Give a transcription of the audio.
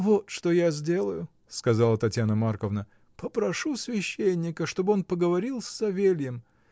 — Вот что я сделаю, — сказала Татьяна Марковна, — попрошу священника, чтоб он поговорил с Савельем